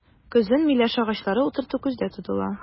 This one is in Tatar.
Көзен миләш агачлары утырту күздә тотыла.